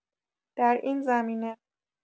در این زمینه